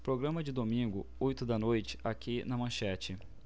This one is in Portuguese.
programa de domingo oito da noite aqui na manchete